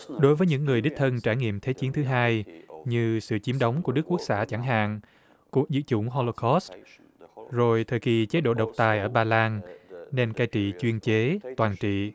đối với những người đích thân trải nghiệm thế chiến thứ hai như sự chiếm đóng của đức quốc xã chẳng hạn cuộc diệt chủng ho lô cót rồi thời kỳ chế độ độc tài ở ba lan nền cai trị chuyên chế toàn trị